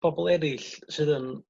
pobol erill sydd yn